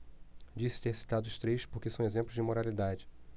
disse ter citado os três porque são exemplos de moralidade